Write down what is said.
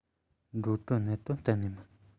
འགྲོ གྲོན གནད དོན གཏན ནས མིན